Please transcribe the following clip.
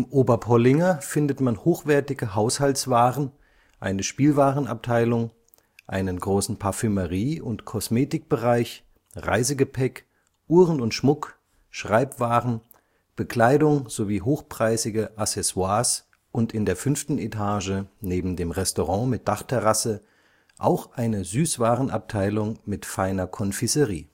Oberpollinger “findet man hochwertige Haushaltswaren, eine Spielwarenabteilung, einen großen Parfumerie - und Kosmetikbereich, Reisegepäck, Uhren & Schmuck, Schreibwaren, Bekleidung sowie hochpreisige Accessoires und in der 5. Etage neben dem Restaurant mit Dachterrasse auch eine Süßwarenabteilung mit feiner Confiserie